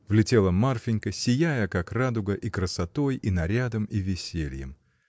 Влетела Марфинька, сияя, как радуга, и красотой, и нарядом, и весельем.